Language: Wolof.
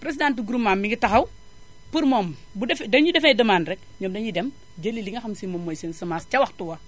présidente groupement bi mu ngi taxaw pour moom bu defee dañuy def ay demandes rekk ñoom dañuy dem jëli li nga xam si moom mooy seen semence ca waxtu wa